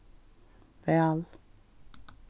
væl